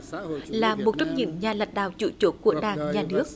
là một trong những nhà lãnh đạo chủ chốt của đảng nhà nước